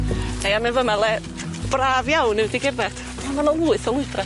Ia ma' fy' 'ma le braf iawn i mynd i gerdded. A ma' 'na lwyth o lwybra.